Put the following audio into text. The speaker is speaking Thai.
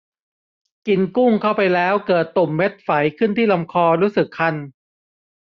กินกุ้งเข้าไปแล้วเกิดตุ่มเม็ดไฝขึ้นที่ลำคอรู้สึกคัน